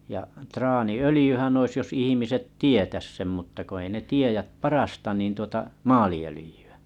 ja traaniöljyhän olisi jos ihmiset tietäisi sen mutta kun ei ne tiedä parasta niin tuota maaliöljyä